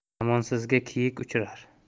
kamonsizga kiyik uchrar